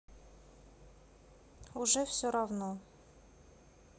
уже все равно